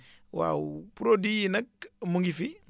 waaw produits yi nag mu ngi fi